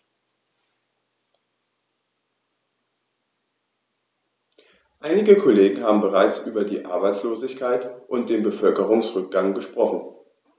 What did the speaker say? Einige Kollegen haben bereits über die Arbeitslosigkeit und den Bevölkerungsrückgang gesprochen.